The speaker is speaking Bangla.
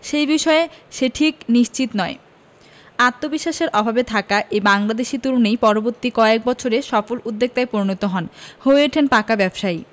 সেই বিষয়ে সে ঠিক নিশ্চিত নয় আত্মবিশ্বাসের অভাবে থাকা এই বাংলাদেশি তরুণই পরবর্তী কয়েক বছরে সফল উদ্যোক্তায় পরিণত হন হয়ে ওঠেন পাকা ব্যবসায়ী